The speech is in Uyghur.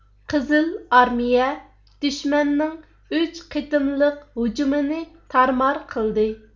قىزىل ئارمىيە دۈشمەننىڭ ئۈچ قېتىملىق ھۇجۇمىنى تارمار قىلدى